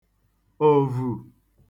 òvù